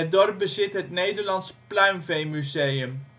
dorp bezit het Nederlands Pluimveemuseum